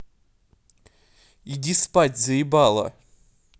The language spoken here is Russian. иди спать заебала